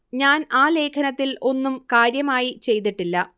ഞാൻ ആ ലേഖനത്തിൽ ഒന്നും കാര്യമായി ചെയ്തിട്ടില്ല